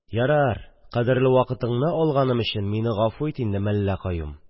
– ярар, кадерле вакытыңны алганым өчен мине гафу ит инде, мелла каюм!